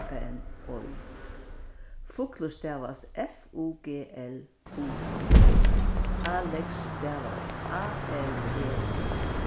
n oy fuglur stavast f u g l u r alex stavast a l e x